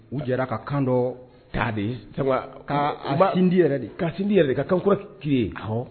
U jɛra ka kan' de ma sindi yɛrɛ de ka sindi yɛrɛ ka kan kɔrɔ keɔ